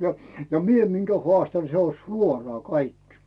ja ja minä minkä haastan se on suoraan kaikki